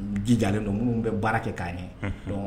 Jijalen don minnu bɛ baara kɛ k'a ɲɛ